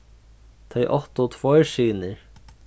tey áttu tveir synir